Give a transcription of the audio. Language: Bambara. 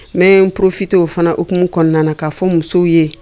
Mɛ n porofitew fana ukumu kɔnɔna na kaa fɔ musow ye